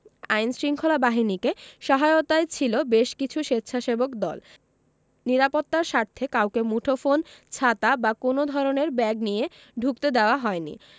আইনশৃঙ্খলা বাহিনীকে সহায়তায় ছিল বেশ কিছু স্বেচ্ছাসেবক দল নিরাপত্তার স্বার্থে কাউকে মুঠোফোন ছাতা বা কোনো ধরনের ব্যাগ নিয়ে ঢুকতে দেওয়া হয়নি